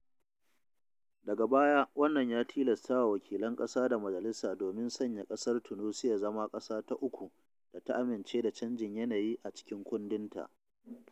Daga baya wannan ya tilasta wa wakilan ƙasa da majalisa domin sanya ƙasar Tunisiya zama ƙasa ta uku da ta amince da canjin yanayi a cikin kundinta.